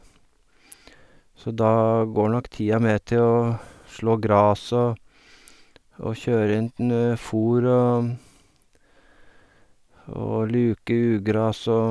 Så da går nok tida med til å slå graset og og kjøre rundt ne fôr og og luke ugras og...